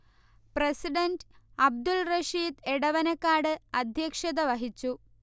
president Abdul Rasheed Edavanakkad അധ്യക്ഷത വഹിച്ചു